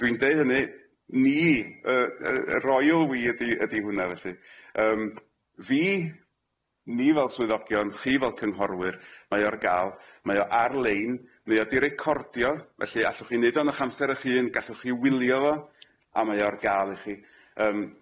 Dwi'n deu' hynny ni yy yy yy Royal We ydi ydi hwnna felly yym fi ni fel swyddogion chi fel cynghorwyr mae o ar ga'l mae o ar lein mae o di recordio felly allwch chi neud o yn ych amser ych hun gallwch chi wylio fo a mae o ar ga'l i chi yym.